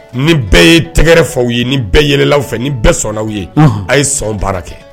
Ni bɛɛ ye tɛgɛgɛrɛ faw ye ni bɛɛ yɛlɛla fɛ ni bɛɛ sɔnna aw ye a ye sɔn baara kɛ